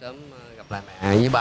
sớm gặp lại mẹ với ba